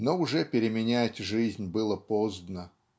но уже переменять жизнь было поздно.